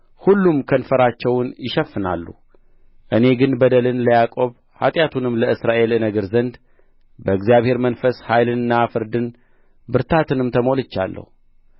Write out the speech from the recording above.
ሁሉም ከንፈራቸውን ይሸፍናሉ እኔ ግን በደሉን ለያዕቆብ ኃጢአቱንም ለእስራኤል እነግር ዘንድ በእግዚአብሔር መንፈስ ኃይልንና ፍርድን ብርታትንም ተሞልቻለሁ